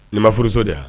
Nin ma furu so de wa